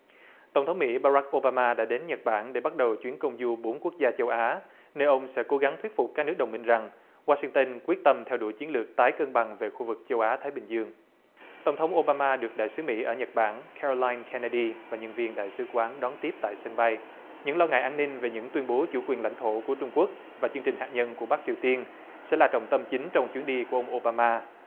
tổng thống mỹ ba rách ô ba ma đã đến nhật bản để bắt đầu chuyến công du bốn quốc gia châu á nơi ông sẽ cố gắng thuyết phục các nước đồng minh rằng goa sinh tơn quyết tâm theo đuổi chiến lược tái cân bằng về khu vực châu á thái bình dương tổng thống ô ba ma được đại sứ mỹ ở nhật bản ca rôn lai ke nơ đi và nhân viên đại sứ quán đón tiếp tại sân bay những lo ngại an ninh về những tuyên bố chủ quyền lãnh thổ của trung quốc và chương trình hạt nhân của bắc triều tiên sẽ là trọng tâm chính trong chuyến đi của ông ô ba ma